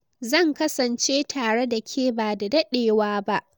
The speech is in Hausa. Zan kasance tare da ke ba da dadewa ba.